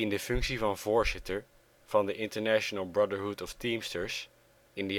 de functie van voorzitter van de International Brotherhood of Teamsters in